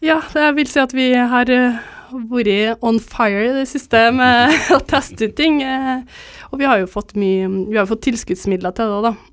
ja jeg vil si at vi har vært i det siste med å teste ut ting og vi har jo fått mye vi har jo fått tilskuddsmidler til det òg da.